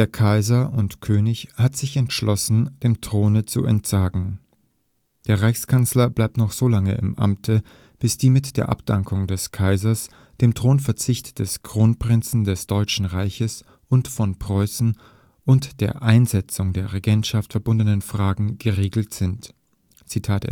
Kaiser und König hat sich entschlossen, dem Throne zu entsagen. Der Reichskanzler bleibt noch so lange im Amte, bis die mit der Abdankung des Kaisers, dem Thronverzicht des Kronprinzen des Deutschen Reiches und von Preußen und der Einsetzung der Regentschaft verbundenen Fragen geregelt sind. Als